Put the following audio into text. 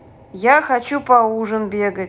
а я хочу по ужин бегать